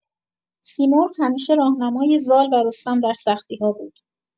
سیمرغ همیشه راهنمای زال و رستم در سختی‌ها بود.